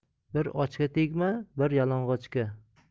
bir ochga tegma bir yalang'ochga